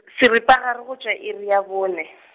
seripagare go tšwa go iri ya bone .